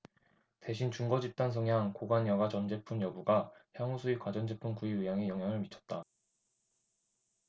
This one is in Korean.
대신 준거집단 성향 고관여가전제품 여부가 향후수입 가전제품 구입 의향에 영향을 미쳤다